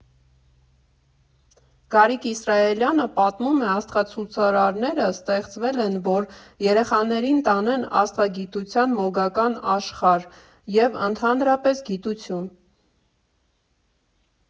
Գարիկ Իսրայելյանը պատմում է՝ աստղացուցարանները ստեղծվել են, որ երեխաներին տանեն աստղագիտության մոգական աշխարհ և, ընդհանրապես, գիտություն։